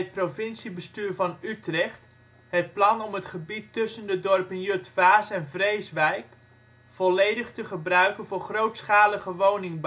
provinciebestuur van Utrecht het plan om het gebied tussen de dorpen Jutphaas en Vreeswijk volledig te gebruiken voor grootschalige woningbouw waardoor